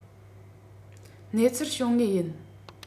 གནས ཚུལ བྱུང ངེས ཡིན